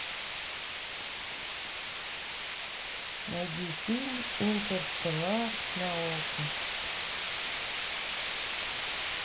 найди фильм интерстеллар на окко